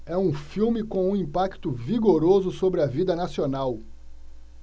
é um filme com um impacto vigoroso sobre a vida nacional